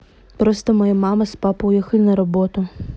просто мои мама с папой уехали на работу